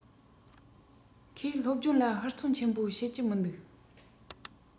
ཁོས སློབ སྦྱོང ལ ཧུར བརྩོན ཆེན པོ བྱེད ཀྱི མི འདུག